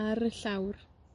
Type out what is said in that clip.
ar y llawr.